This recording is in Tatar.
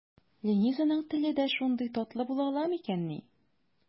Ленизаның теле дә шундый татлы була ала микәнни?